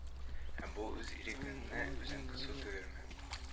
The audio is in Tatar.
Ә бу үз ирегеңне үзең кысу түгелме